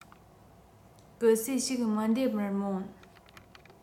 སྐུ སྲས ཞིག མི འདེམ པར སྨོན